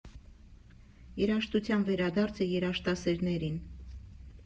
Երաժշտութան վերադարձը երաժշտասերներին։